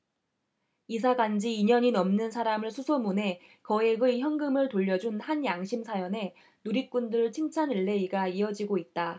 이사 간지 이 년이 넘는 사람을 수소문해 거액의 현금을 돌려준 한 양심 사연에 누리꾼들 칭찬릴레이가 이어지고 있다